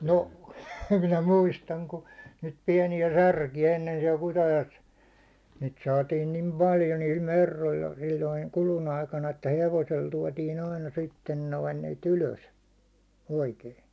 no minä muistan kun niitä pieniä särkiä ennen siellä Kutajoessa niitä saatiin niin paljon niillä merroilla silloin kudun aikana että hevosella tuotiin aina sitten noin niitä ylös oikein